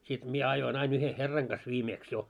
sitten minä ajoin aina yhden herran kanssa viimeksi jo